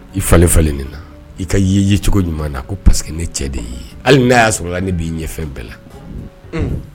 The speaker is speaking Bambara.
I falen falen na i ka'i ye cogo ɲuman na ko paseke ne cɛ de y'i ye hali n'a y'a sɔrɔ ne b'i ɲɛ fɛn bɛɛ la